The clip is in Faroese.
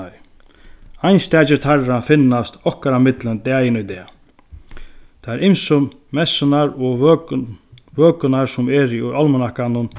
nei einstakir teirra finnast okkara millum dagin í dag tær ymsu messurnar og vøkurnar sum eru í álmanakkanum